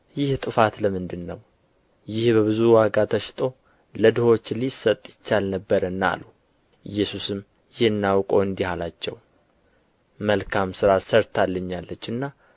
ይህ ጥፋት ለምንድር ነው ይህ በብዙ ዋጋ ተሽጦ ለድሆች ሊሰጥ ይቻል ነበርና አሉ ኢየሱስም ይህን አውቆ እንዲህ አላቸው መልካም ሥራ ሠርታልኛለችና